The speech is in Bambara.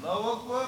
Ɔwɔ